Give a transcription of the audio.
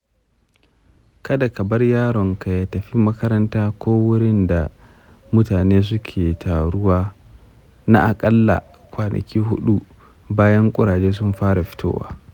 kada ka bar yaronka ya tafi makaranta ko wuraren da mutane suke taruwa na aƙalla kwanaki huɗu bayan ƙurajen sun fara fitowa.